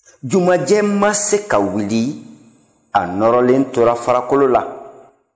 jumanjɛ ma se ka wuli a nɔrɔlen tora farakolo la